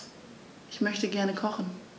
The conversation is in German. Ich möchte gerne kochen.